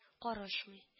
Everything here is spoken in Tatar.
Карышмый